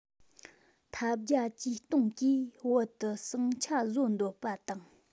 ཐབས བརྒྱ ཇུས སྟོང གིས བོད དུ ཟིང ཆ བཟོ འདོད པ དང